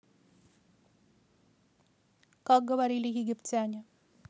как говорили египтяне